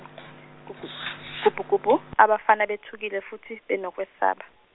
gubhu- gubhu gubhu abafana bethukile futhi benokwesaba.